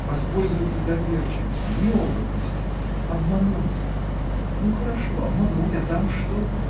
воспользоваться доверчивостью, неопытностью. обмануть. ну, хорошо, обмануть, а там что?